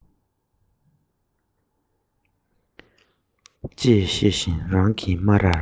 ཅེས བཤད བཞིན རང གི སྨ རར